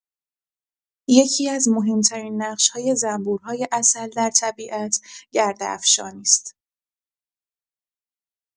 یکی‌از مهم‌ترین نقش‌های زنبورهای عسل در طبیعت گرده‌افشانی است.